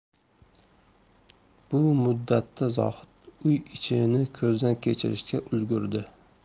bu muddatda zohid uy ichini ko'zdan kechirishga ulgurdi